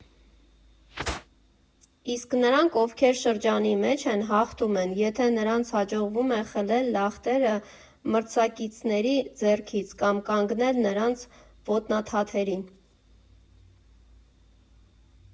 Իսկ նրանք, ովքեր շրջանի մեջ են, հաղթում են, եթե նրանց հաջողվում է խլել լախտերը մրցակիցների ձեռքից կամ կանգնել նրանց ոտնաթաթերին։